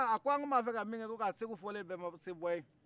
a ko an tun b'a fɛ ka min kɛ nga segu fɔlen bɛ ma se bɔ ye